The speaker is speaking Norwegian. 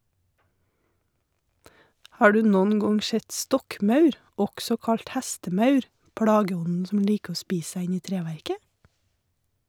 Har du noen gang sett stokkmaur, også kalt hestemaur, plageånden som liker å spise seg inn i treverket?